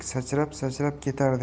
sachrab sachrab ketardi